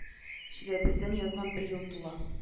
Чиләбездән язга бер ел тула